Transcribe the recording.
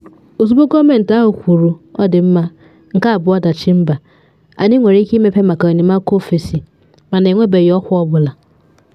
“Ozugbo gọọmentị ahụ kwuru, “Ọ dị mma, nke a bụ ọdachi mba,” anyị nwere ike imepe maka enyemaka ofesi mana enwebeghị ọkwa ọ bụla.”